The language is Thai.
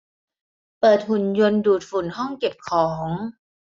เปิดหุ่นยนต์ดูดฝุ่นห้องเก็บของ